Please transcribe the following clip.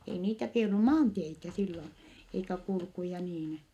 ei niitä kun ei ollut maanteitä silloin eikä kulkuja niin